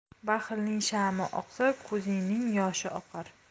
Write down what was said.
baxilning shami oqsa ko'zining yoshi oqar